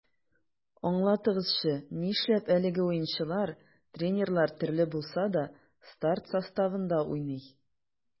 Аңлатыгызчы, нишләп әлеге уенчылар, тренерлар төрле булса да, старт составында уйный?